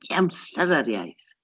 Giamstar ar iaith.